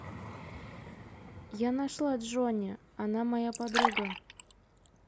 я нашла джонни она моя подруга